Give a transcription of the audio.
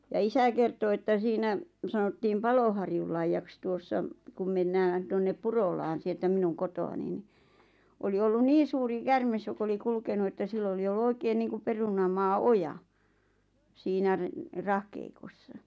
ja isä kertoi että siinä sanottiin Paloharjunlaidaksi tuossa kun mennään tuonne Purolaan sieltä minun kotoani niin oli ollut niin suuri käärme joka oli kulkenut että sillä oli ollut oikein niin kuin perunamaa oja siinä - rahkeikossa